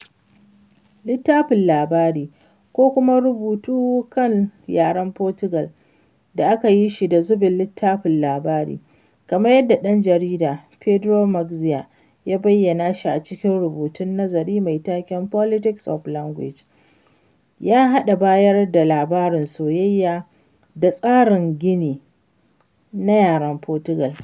Littafin labari – ko kuma “rubutu kan yaren Fotugal da aka yi shi da zubin littafin labari,” kamar yadda ɗan jarida Pedro Mexia ya bayyana shi a cikin rubutun nazari mai taken Politics of Language [pt] – ya haɗa bayar da labarin soyayya da tsarin gini na yaren Fotugal.